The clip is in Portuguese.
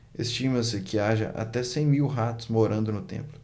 estima-se que haja até cem mil ratos morando no templo